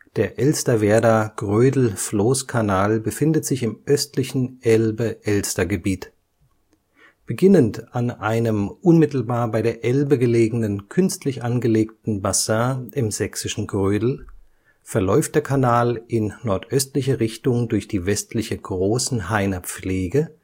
Der Elsterwerda-Grödel-Floßkanal befindet sich im östlichen Elbe-Elster-Gebiet. Beginnend an einem unmittelbar bei der Elbe gelegenen künstlich angelegten Bassin im sächsischen Grödel, verläuft der Kanal in nordöstliche Richtung durch die westliche Großenhainer Pflege